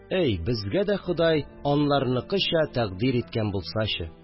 Әй! Безгә дә Ходай аларныкыча тәкъдир иткән булсачы